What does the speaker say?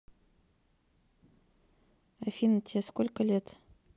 афина тебе сколько лет